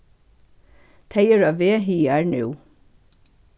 tey eru á veg higar nú